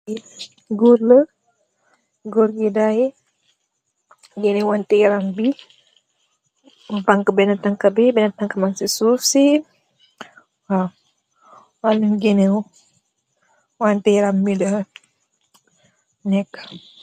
Kii Goor la, goor bi day gëëne wante yaram bi. Mu bañka béna tañgkam bi, béna tañgkam baañg si suuf si.